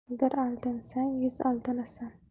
bir aldansang yuz aldanasan